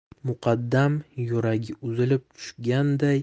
muqaddam yuragi uzilib tushganday